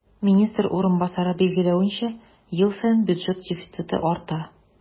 Министр урынбасары билгеләвенчә, ел саен бюджет дефициты арта.